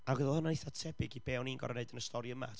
Ac oedd hwnna'n eithaf tebyg i be o'n i'n gorod wneud yn y stori yma tibod